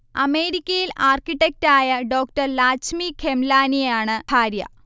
അമേരിക്കയിൽ ആർകിടെക്ടായ ഡോ. ലാച്മി ഖെംലാനിയാണ് ഭാര്യ